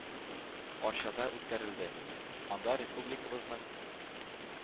Арчада үткәрелде, анда республикабызның